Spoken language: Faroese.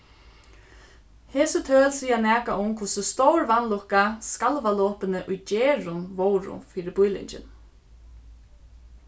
hesi tøl siga nakað um hvussu stór vanlukka skalvalopini í gerðum vóru fyri býlingin